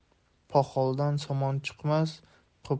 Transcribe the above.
poxoldan somon chiqmas